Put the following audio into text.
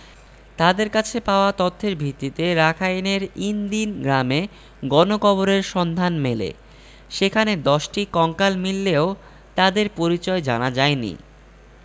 তাঁদের কাছে পাওয়া তথ্যের ভিত্তিতে রাখাইনের ইন দিন গ্রামে গণকবরের সন্ধান মেলে সেখানে ১০টি কঙ্কাল মিললেও তাদের পরিচয় জানা যায়নি